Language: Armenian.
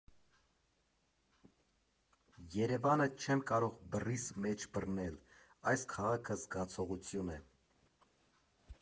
Երևանը չեմ կարող բռիս մեջ բռնել, այս քաղաքը զգացողություն է։